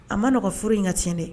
A ma n nɔgɔ furu in kac de